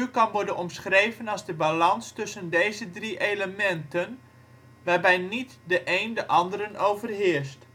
kan worden omschreven als de balans tussen deze drie elementen, waarbij niet een de anderen overheerst